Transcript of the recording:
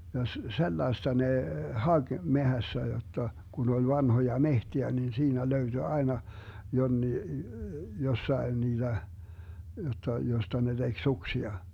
ja sellaista ne haki metsässä jotta kun oli vanhoja metsiä niin siinä löytyi aina jonkin jossakin niitä jotta josta ne teki suksia